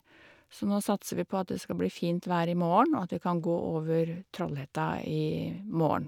Så nå satser vi på at det skal bli fint vær i morgen og at vi kan gå over Trollhetta i morgen.